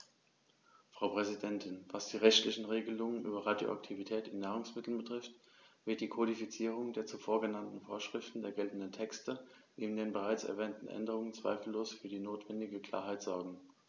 Frau Präsidentin, was die rechtlichen Regelungen über Radioaktivität in Nahrungsmitteln betrifft, wird die Kodifizierung der zuvor genannten Vorschriften der geltenden Texte neben den bereits erwähnten Änderungen zweifellos für die notwendige Klarheit sorgen.